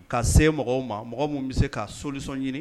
Ka se mɔgɔw ma mɔgɔ min bɛ se ka solisɔn ɲini